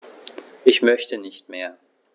Ich möchte nicht mehr.